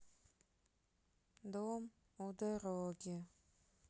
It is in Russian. дом у дороги